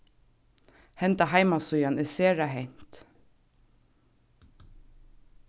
henda heimasíðan er sera hent